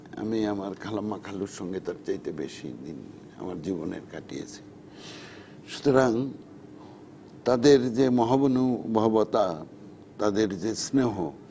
আমি আমার খালাম্মা খালুর সঙ্গে তার চাইতে বেশি দিন কাটিয়েছি সুতরাং তাদের যে মহানুভবতা তাদের যে স্নেহ